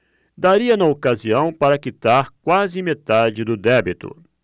daria na ocasião para quitar quase metade do débito